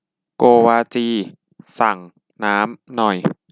โกวาจีสั่งน้ำหน่อย